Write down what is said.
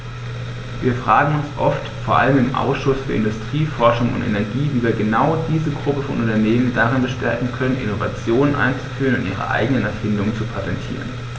Wir fragen uns oft, vor allem im Ausschuss für Industrie, Forschung und Energie, wie wir genau diese Gruppe von Unternehmen darin bestärken können, Innovationen einzuführen und ihre eigenen Erfindungen zu patentieren.